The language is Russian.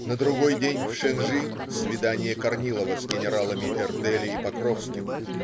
На другой день в Шенжи - свиданье Корнилова с генералами Эрдели и Покровским.